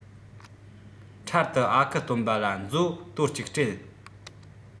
འཕྲལ དུ ཨ ཁུ སྟོན པ ལ མཛོ དོར གཅིག སྤྲད